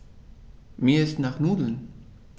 Mir ist nach Nudeln.